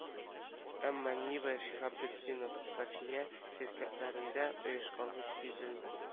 Әмма нива шиһабеддинов сафия ширкәтләрендә оешканлык сизелми